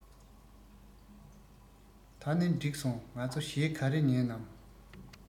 ད ནི གྲིགས སོང ང ཚོ གཞས ག རེ ཉན ནམ